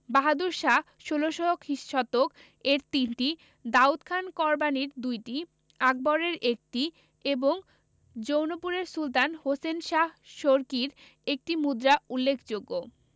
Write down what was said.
বাহাদুর শাহ ১৬শ শতক এর তিনটি দাউদ খান করবানীর দুইটি আকবর এর একটি এবং জৌনপুরের সুলতান হোসেন শাহ শর্কীর একটি মুদ্রা উল্লেখযোগ্য